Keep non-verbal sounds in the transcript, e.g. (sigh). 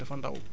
(hesitation) (hesitation)